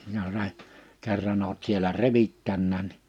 jos se kerran olet siellä revittänytkin niin